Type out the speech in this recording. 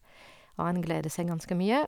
Og han gleder seg ganske mye.